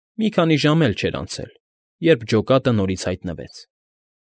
Մի քանի ժամ էլ չէր անցել, երբ ջոկատը նորից հայտնվեց։